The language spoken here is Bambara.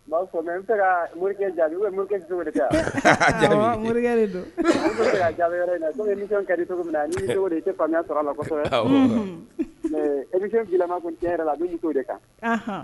Ka mori mori cogo cogo e bɛma yɛrɛ n cogo de kan